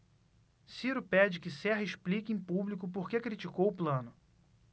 ciro pede que serra explique em público por que criticou plano